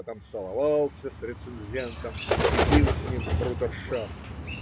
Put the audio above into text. Потом целовался с рецензентом и пил с ним брудершафт.